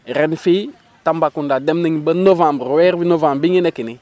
ren fii Tambacounda dem nañ ba novembre weeru novembre bi ñu nekk nii